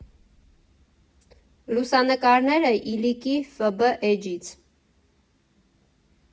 Լուսանկարները՝ Իլիկի ֆբ֊էջից։